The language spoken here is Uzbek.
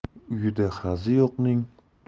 uyida hazi yo'qning